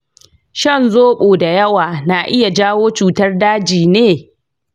shan zobo da yawa na iya jawo cutar daji ne?